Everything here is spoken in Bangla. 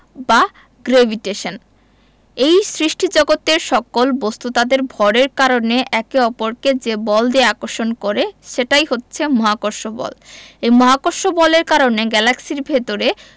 বা গ্রেভিটেশন এই সৃষ্টিজগতের সকল বস্তু তাদের ভরের কারণে একে অপরকে যে বল দিয়ে আকর্ষণ করে সেটাই হচ্ছে মহাকর্ষ বল এই মহাকর্ষ বলের কারণে গ্যালাক্সির ভেতরে